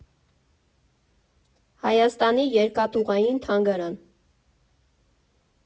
Հայաստանի երկաթուղային թանգարան։